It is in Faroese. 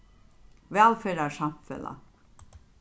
vælferðarsamfelag